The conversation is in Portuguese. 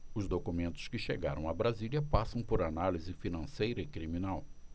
os documentos que chegaram a brasília passam por análise financeira e criminal